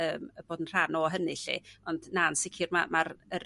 y bod yn rhan o hynny 'llu ond na yn sicr ma' ma'r y